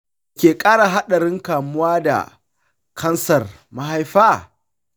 me ke ƙara haɗarin kamuwa da kansar mahaifa?